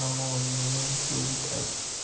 namozingni buzib ayt